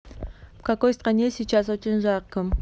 в какой стране сейчас очень жарко